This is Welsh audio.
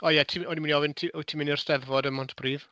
O ie ti- O'n i'n mynd i ofyn wyt ti'n mynd i'r 'Steddfod ym Mhontypridd?